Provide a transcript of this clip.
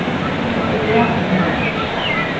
eg gravi ein brunn